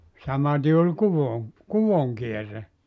samaten oli kuvon kuvon kierre